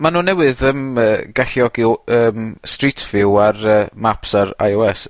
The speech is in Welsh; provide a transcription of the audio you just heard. Ma' nw newydd yym yy galluogu o- yym Street View ar yy maps ar eye oh es